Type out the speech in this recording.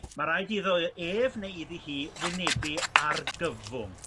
Ma' raid iddo ef neu iddi hi wynebu argyfwng